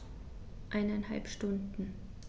Eineinhalb Stunden